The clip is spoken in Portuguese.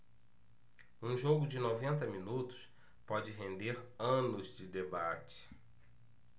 um jogo de noventa minutos pode render anos de debate